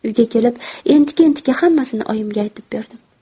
uyga kelib entika entika hammasini oyimga aytib berdim